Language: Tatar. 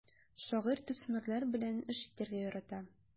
Шагыйрь төсмерләр белән эш итәргә ярата.